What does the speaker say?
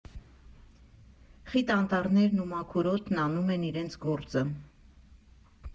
Խիտ անտառներն ու մաքուր օդն անում են իրենց գործը.